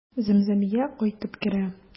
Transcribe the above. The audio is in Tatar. Зәмзәмия кайтып керә.